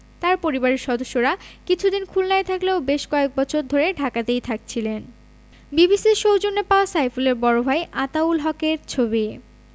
তাঁর পরিবারের সদস্যরা কিছুদিন খুলনায় থাকলেও বেশ কয়েক বছর ধরে ঢাকাতেই থাকছিলেন বিবিসির সৌজন্যে পাওয়া সাইফুলের বড় ভাই আতাউল হকের ছবি